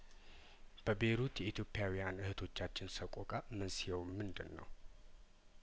በቤይሩት የኢትዮጵያዊያን እህቶቻችን ሰቆቃ መንስኤ ውምንድነው